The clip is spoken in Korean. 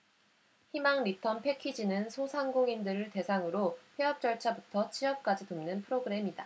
희망리턴패키지는 소상공인들을 대상으로 폐업 절차부터 취업까지 돕는 프로그램이다